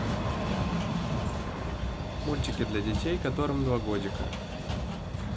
мультики для детей которым два годика